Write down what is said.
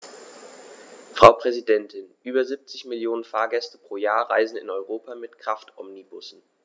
Frau Präsidentin, über 70 Millionen Fahrgäste pro Jahr reisen in Europa mit Kraftomnibussen.